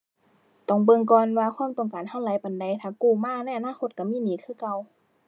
ต้องเบิ่งก่อนว่าความต้องการเราหลายปานใด ถ้ากู้มาในอนาคตเรามีหนี้คือเก่า